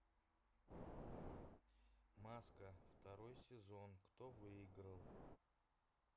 маска второй сезон кто выиграл